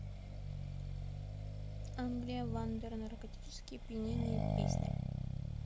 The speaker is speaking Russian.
англия wonder наркотическое опьянение песня